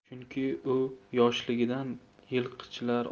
chunki u yoshligidan yilqichilar